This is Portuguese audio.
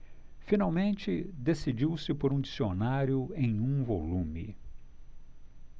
finalmente decidiu-se por um dicionário em um volume